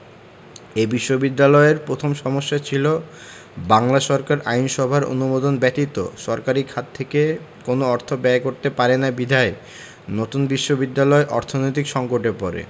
এ বিশ্ববিদ্যালয়ের প্রথম সমস্যা ছিল বাংলা সরকার আইনসভার অনুমোদন ব্যতীত সরকারি খাত থেকে কোন অর্থ ব্যয় করতে পারে না বিধায় নতুন বিশ্ববিদ্যালয় অর্থনৈতিক সংকটে পড়ে